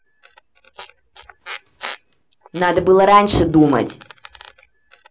надо было раньше думать